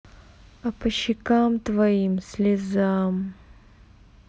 а по щекам твоим слезам